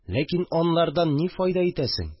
Ләкин аннардан ни файда итәсең